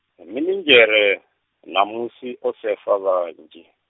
mininzhere, mamusi o sefa vhanzhi.